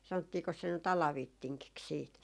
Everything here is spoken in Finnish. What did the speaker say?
sanottiinkos se nyt Alavittingiksi sitten